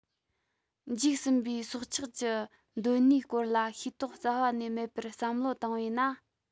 འཇིག ཟིན པའི སྲོག ཆགས ཀྱི གདོད ནུས སྐོར ལ ཤེས རྟོགས རྩ བ ནས མེད པར བསམ བློ བཏང བས ན